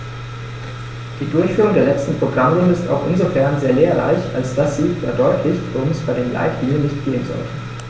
Die Durchführung der letzten Programmrunde ist auch insofern sehr lehrreich, als dass sie verdeutlicht, worum es bei den Leitlinien nicht gehen sollte.